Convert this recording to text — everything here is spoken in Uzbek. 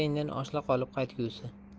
indin oshliq olib qaytgusi